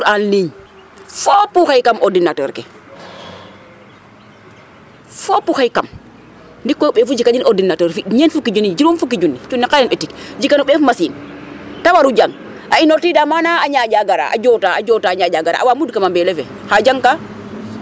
Cours en ligne fop tout xaye kam ordinateur ke fop a xay kam ndiki koy o ɓeef o jikanin ordinateur o fi' ñeen fuki juni juroom fuki juni ,juni xarɓeen ɓetik jikan o ɓeef machine ta war o jang a inoortiidaa maana a ñaaƴaa gara, a jootaa, a jootaa, a ñaaƴaa gara, a waa mud kam a mbeel ale fe xar jangka dara.